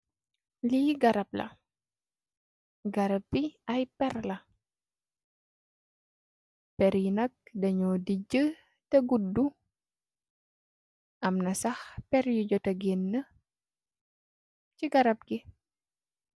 Li garap la, garap bi ay péér la, pééri yi nak dañoo digih teh guddu. Am na sax peer yu jotta gèna ci garap ngi.